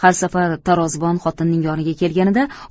har safar tarozibon xotinning yoniga kelganida